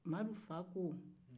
madu fa ko